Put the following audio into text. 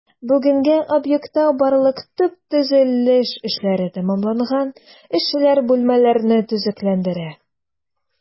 Бүгенгә объектта барлык төп төзелеш эшләре тәмамланган, эшчеләр бүлмәләрне төзекләндерә.